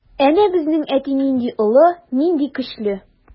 Әнә безнең әти нинди олы, нинди көчле.